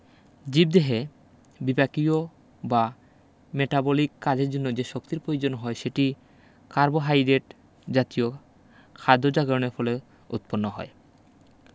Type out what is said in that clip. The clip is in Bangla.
জীবদেহে বিপাকীয় বা মেটাবলিক কাজের জন্য যে শক্তির পয়োজন হয় সেটি কার্বোহাইডেট জাতীয় খাদ্য জএগরণের ফলে উৎপন্ন হয়